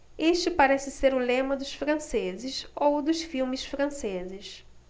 este parece ser o lema dos franceses ou dos filmes franceses